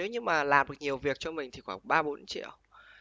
nếu như mà làm được nhiều việc cho mình thì khoảng ba bốn triệu